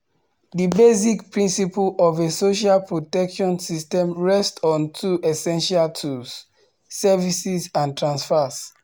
The basic principle of a social protection system rests on two essential tools: services and transfers.